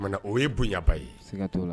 O ye bonyaba ye